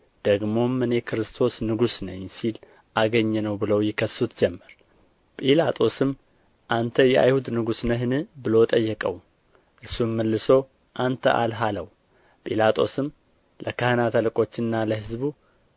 ደግሞም እኔ ክርስቶስ ንጉሥ ነኝ ሲል አገኘነው ብለው ይከሱት ጀመር ጲላጦስም አንተ የአይሁድ ንጉሥ ነህን ብሎ ጠየቀው እርሱም መልሶ አንተ አልህ አለው ጲላጦስም ለካህናት አለቆችና ለሕዝቡ